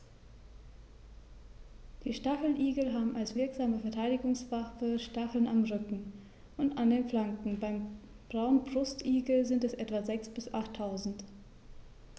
Die Stacheligel haben als wirksame Verteidigungswaffe Stacheln am Rücken und an den Flanken (beim Braunbrustigel sind es etwa sechs- bis achttausend).